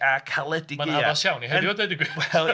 A caledi gaeaf... Mae'n addas iawn i heddiw â dweud y gwir .